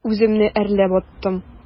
Үземне әрләп аттым.